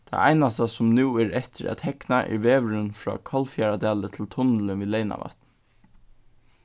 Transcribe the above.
tað einasta sum nú er eftir at hegna er vegurin frá kollfjarðardali til tunnilin við leynavatn